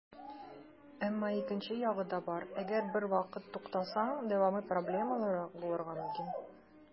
Әмма икенче ягы да бар - әгәр бервакыт туктасаң, дәвамы проблемалырак булырга мөмкин.